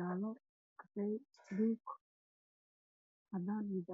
ayna sujuudsan yihiin